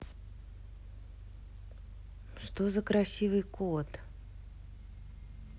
что за красивый кот